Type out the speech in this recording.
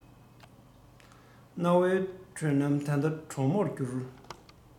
གནའ བོའི བགྲོད ལམ ད ལྟ གྲོག མོར གྱུར